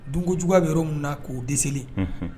Dugujugu bɛ yɔrɔ min na k'o de